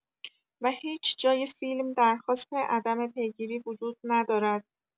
و هیچ جای فیلم درخواست عدم پیگیری وجود ندارد.